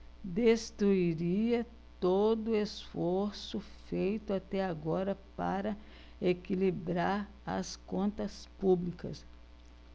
destruiria todo esforço feito até agora para equilibrar as contas públicas